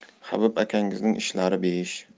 habib akangizning ishlari besh